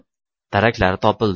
daraklari topildi